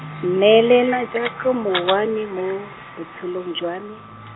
nyelela jaaka mouwane mo, botshelong jwa me.